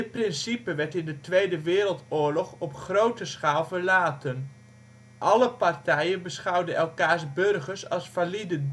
principe werd in de Tweede Wereldoorlog op grote schaal verlaten; alle partijen beschouwden elkaars burgers als valide